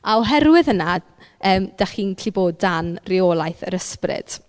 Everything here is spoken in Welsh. A oherwydd hynna yym dach chi'n gallu bod dan reolaeth yr ysbryd.